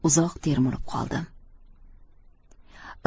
uzoq termilib qoldim